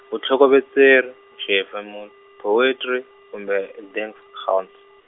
vutlhokovetseri, xihefemo- poetry kumbe digkuns.